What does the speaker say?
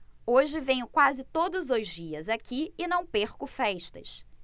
hoje venho quase todos os dias aqui e não perco festas